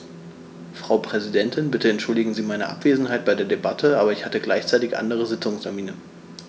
Frau Präsidentin, bitte entschuldigen Sie meine Abwesenheit bei der Debatte, aber ich hatte gleichzeitig andere Sitzungstermine.